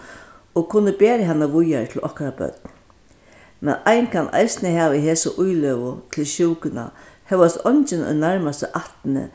og kunnu bera hana víðari til okkara børn men ein kann eisini hava hesa ílegu til sjúkuna hóast eingin í nærmastu ættini